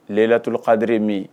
lelatul kadire min